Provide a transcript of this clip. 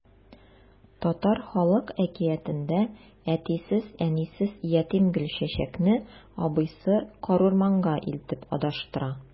Татар халык әкиятендә әтисез-әнисез ятим Гөлчәчәкне абыйсы карурманга илтеп адаштыра.